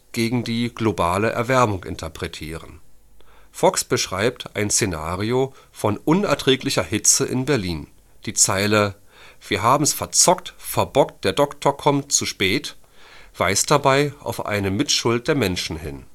gegen die globale Erwärmung interpretieren. Fox beschreibt ein Szenario von unerträglicher Hitze in Berlin. Die Zeile „ Wir haben 's verzockt, verbockt, der Doktor kommt zu spät “weist dabei auf eine Mitschuld der Menschen hin